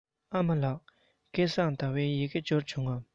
ཨ མ ལགས སྐལ བཟང ཟླ བའི ཡི གེ འབྱོར བྱུང ངམ